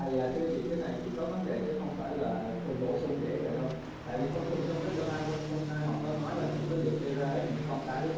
à dạ thưa chị cái này chị có vấn đề chứ không phải là bổ sung dễ vậy đâu tại vì thông thường trong các đơn ai goăn thoăn ti nai nơi họ có nói là chỉ phải liệt kê ra hết những con cái của